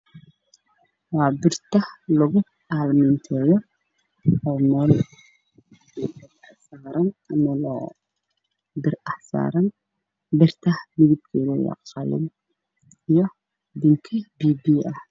Waa birta lagu almiiteeyo oo meel bir ah saaran birta midab keeda waa Qalin iyo binki biyo biyo ah